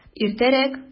Иртәрәк!